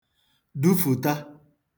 dufụ̀ta